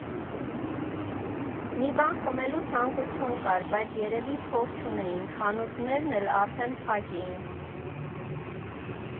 Մի բան խմելու ցանկություն կար, բայց երևի փող չունեինք, խանութներն էլ արդեն փակ էին։